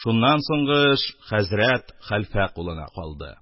Шуннан соңгы эш хәзрәт, хәлфә кулына калды.